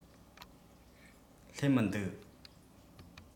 སླེབས མི འདུག